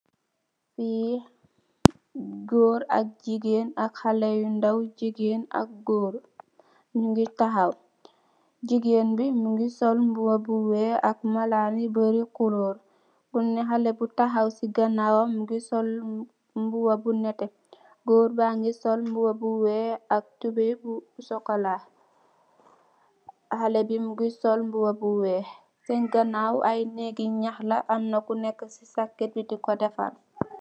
fi Goor ak gigen xale yu ndwe gigen ak goor njogu taxe jigenbi mugi sol mbuba bu wex ak malan bu Mari culor bena xale bu sol mbubabu nete Goor bagi sol mbuba bu wex ak toubey bu socola